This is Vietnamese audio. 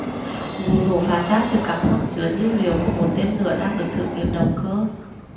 vụ nổ phát ra từ các khoang chứa nhiên liệu của một tên lửa đang được thử nghiệm động cơ